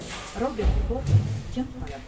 robert bork jim qoldi